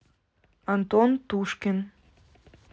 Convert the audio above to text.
антон тушкин